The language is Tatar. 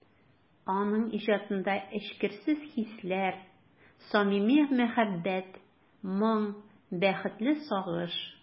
Аның иҗатында эчкерсез хисләр, самими мәхәббәт, моң, бәхетле сагыш...